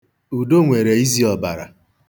Udo nwere izi ọbara.